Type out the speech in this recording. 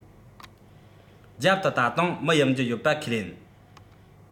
རྒྱབ དུ ད དུང མི ཡོང རྒྱུ ཡོད པ ཁས ལེན